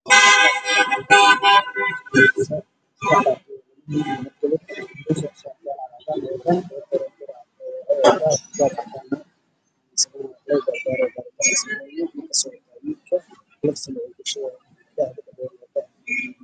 Meeshaan waxaa ka muuqdo arday sameynayo baraatikaal